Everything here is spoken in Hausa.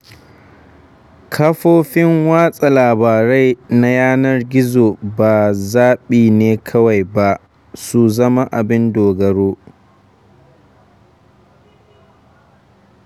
Kafofin watsa labarai na yanar gizo ba zaɓi ne kawai ba: su zama abin dogaro